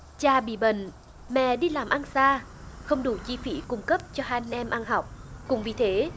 cha bị bệnh mẹ đi làm ăn xa không đủ chi phí cung cấp cho hai anh em ăn học cũng vì thế